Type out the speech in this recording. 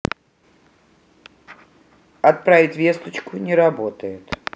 отправить весточку не работает